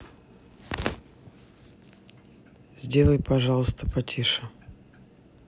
сделай пожалуйста потише